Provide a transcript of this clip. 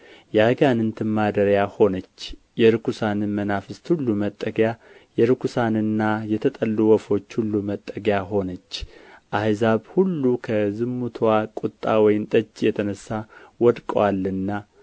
የአጋንንትም ማደሪያ ሆነች የርኵሳንም መናፍስት ሁሉ መጠጊያ የርኵሳንና የተጠሉም ወፎች ሁሉ መጠጊያ ሆነች አሕዛብ ሁሉ ከዝሙትዋ ቍጣ ወይን ጠጅ የተነሳ ወድቀዋልና